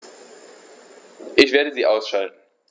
Ich werde sie ausschalten